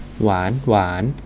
หวานหวาน